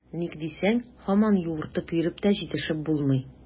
Ник дисәң, һаман юыртып йөреп тә җитешеп булмый.